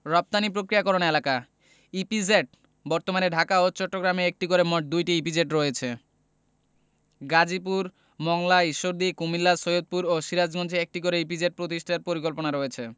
রপ্তানি প্রক্রিয়াকরণ এলাকাঃ ইপিজেড বর্তমানে ঢাকা ও চট্টগ্রামে একটি করে মোট ২টি ইপিজেড রয়েছে গাজীপুর মংলা ঈশ্বরদী কুমিল্লা সৈয়দপুর ও সিরাজগঞ্জে একটি করে ইপিজেড প্রতিষ্ঠার পরিকল্পনা রয়েছে